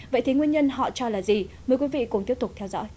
vậy thì nguyên nhân họ cho là gì mời quý vị cũng tiếp tục theo dõi